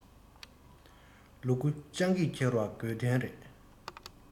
ལུ གུ སྤྱང ཀིས འཁྱེར བ དགོས བདེན རེད